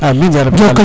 aminn yarabal alamin